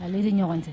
Ale de ɲɔgɔn tɛ